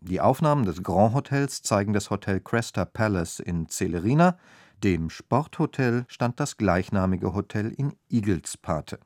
Die Aufnahmen des Grand-Hotels zeigen das Hotel Cresta Palace in Celerina, dem Sporthotel stand das gleichnamige Hotel in Igls Pate